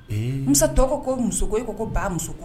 Ee, Musa tɔw ko ko musoko e ko ko ba musoko